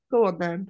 Go on then.